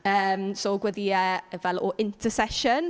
Yym, so gweddïau fel o intercession.